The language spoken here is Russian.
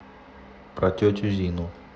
про тетю зину